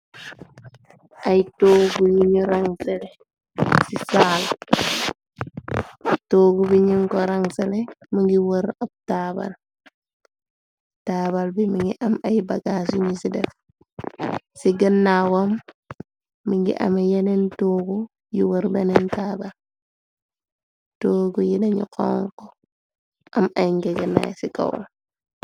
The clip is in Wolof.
ay toogu yi nu rang sale ci salle toogu bi nun ko rang sale mingi weer ab taabal taabal bi mi ngi am ay bagaas yuñu ci def ci gënnaawam mi ngi ame yeneen toogu yu wëer beneen taabal toogu yi dañu xon ko am ay ngegennaay ci kawaam.